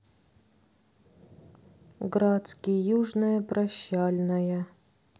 градский южная прощальная